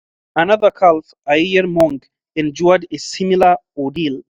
Another calf, Ayeyar Maung, endured a similar ordeal.